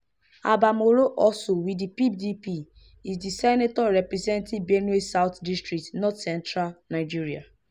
Abba Moro, also with the PDP, is the senator representing Benue South district, northcentral Nigeria.